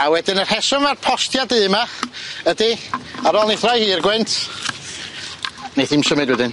A wedyn y rheswm ma'r postia du 'ma ydi ar ôl i throi hi i'r gwynt neith hi'm symud wedyn.